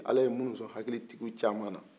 ala ye minnu sɔn hakilitgiw caman